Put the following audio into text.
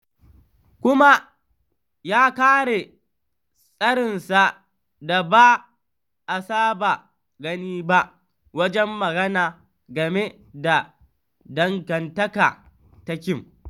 Kuma ya kare tsarinsa da ba a saba gani ba wajen magana game da dangantaka da Kim.